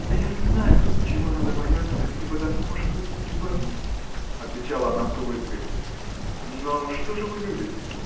— А я не знаю, чего надо бояться, и потому, может быть, не боюсь, — отвечала она с улыбкой. — Но что же вы любите?